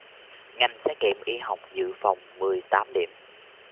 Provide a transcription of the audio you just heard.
ngành xét nghiệm y học dự phòng mười tám điểm